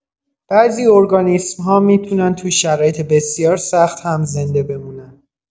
بعضی ارگانیسم‌ها می‌تونن تو شرایط بسیار سخت هم زنده بمونن.